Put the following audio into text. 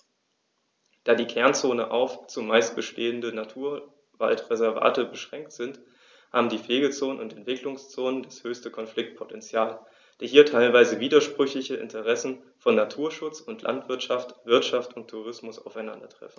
Da die Kernzonen auf – zumeist bestehende – Naturwaldreservate beschränkt sind, haben die Pflegezonen und Entwicklungszonen das höchste Konfliktpotential, da hier die teilweise widersprüchlichen Interessen von Naturschutz und Landwirtschaft, Wirtschaft und Tourismus aufeinandertreffen.